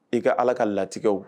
I ka ala ka latigɛw